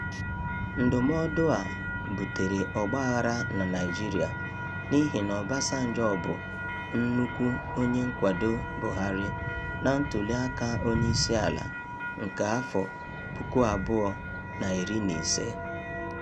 Ndụmọdụ a butere ọgbaghara na Naịjirịa n'ihi na Obasanjo bụ nnukwu onye nkwado Buhari na ntụliaka onyeisiala nke afọ 2015.